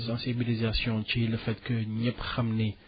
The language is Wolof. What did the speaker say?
sensibilisation ci le fait que ñépp xam ni